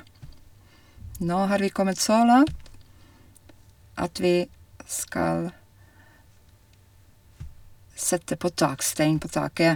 Nå har vi kommet så langt at vi skal sette på takstein på taket.